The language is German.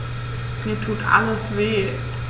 Mir tut alles weh.